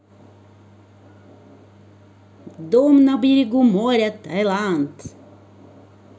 дом на берегу моря таиланд